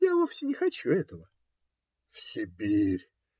Я вовсе не хочу этого. - В Сибирь!.